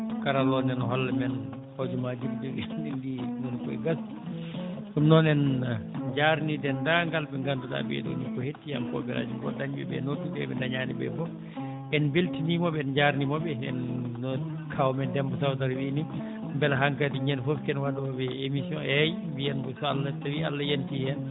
karralla o nana holla men hojomaaji ɗi njogino ɗen ngoni koye gasde ɗum noon en njaarnii denndaangal ɓe ngannduɗaa ɓee ɗoo nii ko hettiyankooɓe radio ngoo dañɓe ɓe noddude eɓe dañaani ɓe fof en mbeltaniima ɓe en jaarniima ɓe heen noon kawu men Demba Sall no wiyi nii mbela han kadi ñannde fof ko en waɗooɓe émission eeyi mbiyen mo so Allah tawii Allah yantii heen